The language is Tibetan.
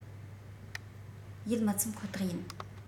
ཡིད མི ཚིམ ཁོ ཐག ཡིན